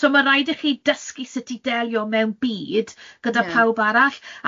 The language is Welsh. So mae'n rhaid i chi dysgu sut i delio mewn byd gyda pawb arall.